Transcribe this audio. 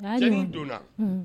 Den donna